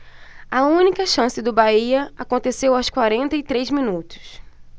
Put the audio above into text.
a única chance do bahia aconteceu aos quarenta e três minutos